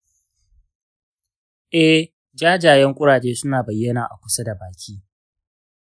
eh, jajayen kuraje suna bayyana a kusa da baki.